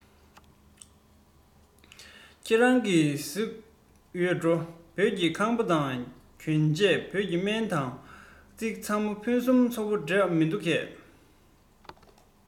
ཁྱེད རང གིས གཟིགས ཡོད འགྲོ བོད ཀྱི ཁང པ དང གྱོན ཆས བོད ཀྱི སྨན དང རྩིས ཚང མ ཕུན སུམ ཚོགས པོ འདྲས མི འདུག གས